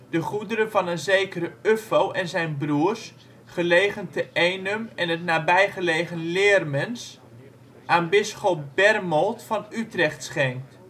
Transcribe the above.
de goederen van een zekere Uffo en zijn broers, gelegen te Eenum en het nabijgelegen Leermens, aan bisschop Bernold van Utrecht schenkt